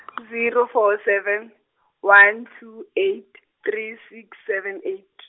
zero four seven, one two eight three six seven eight.